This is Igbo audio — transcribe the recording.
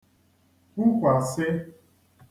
kwukwàsi